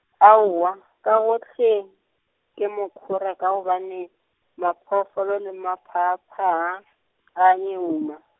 aowa ka gohle, ke mokhora ka gobane, maphoofolo le maphaaphaa , a nyeuma.